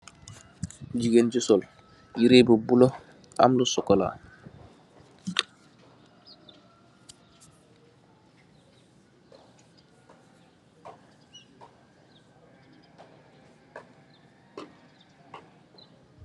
Gigeen ju sol yirèh bu bula am lu sokola.